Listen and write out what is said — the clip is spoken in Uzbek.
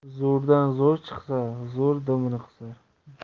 zo'rdan zo'r chiqsa zo'r dumini qisar